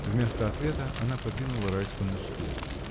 Вместо ответа, она подвинула Райскому стул.